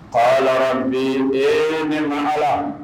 Kɔrɔ min ne mala